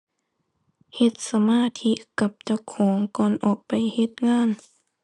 เฮ็ดสมาธิกับเจ้าของก่อนออกไปเฮ็ดงาน